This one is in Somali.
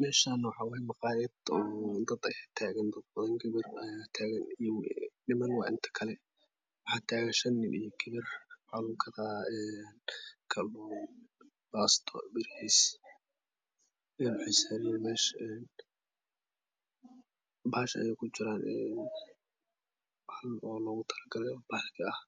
Meeshaan waxaa waaye maqaayad ok dad dhex taagan gabar taagan niman waaye inta kale waxaa taagan shan nin iyo gabar. Waxaa lagu gadaa baluun baasto bariis waxay saaran yihiin meesha bahasha ayay ku jiraan bahal oo loogu tala galay bahalkii ah